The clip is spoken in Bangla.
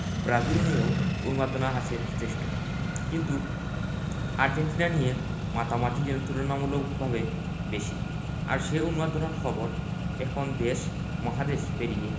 ব্রাজিল নিয়েও উন্মাদনা আছে যথেষ্ট কিন্তু আর্জেন্টিনা নিয়ে মাতামাতিই যেন তুলনামূলকভাবে বেশি আর সেই উন্মাদনার খবর এখন দেশ মহাদেশ পেরিয়ে